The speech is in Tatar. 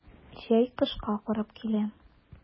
Җәй кышка карап килә.